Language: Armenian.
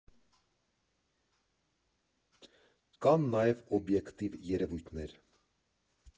Կան նաև օբյեկտիվ երևույթներ։